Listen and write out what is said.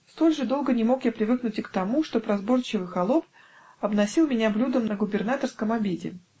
Столь же долго не мог я привыкнуть и к тому, чтоб разборчивый холоп обносил меня блюдом на губернаторском обеде.